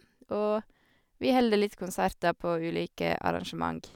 Og vi holder litt konserter på ulike arrangement.